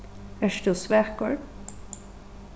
ert tú svakur